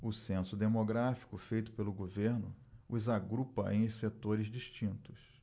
o censo demográfico feito pelo governo os agrupa em setores distintos